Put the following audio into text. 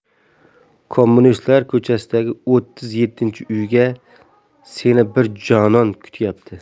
kommunistlar ko'chasidagi o'ttiz yettinchi uyda seni bir jonon kutyapti